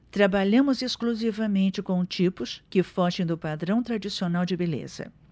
trabalhamos exclusivamente com tipos que fogem do padrão tradicional de beleza